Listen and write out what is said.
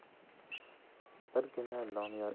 birgina doniyor indamay